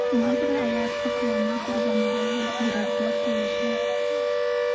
Шуңа күрә алар аклану корбаннары бирергә тиешләр.